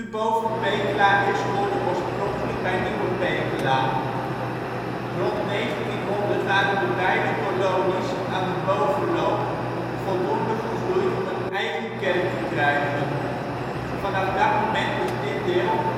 Boven-Pekela is hoorde oorspronkelijk bij Nieuwe-Pekela. Rond 1900 waren de beide kolonies aan de bovenloop voldoende gegroeid om een eigen kerk te krijgen. Vanaf dat moment is dit deel